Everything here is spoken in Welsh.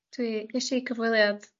dwi gesh i cyfweliad